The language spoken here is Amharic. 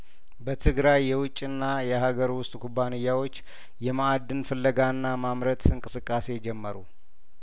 በትግራይ የውጭና የሀገር ውስጥ ኩባንያዎች የማእድን ፍለጋና ማምረት እንቅስቃሴ ጀመሩ